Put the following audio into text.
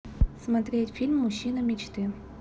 смотреть фильм мужчина мечты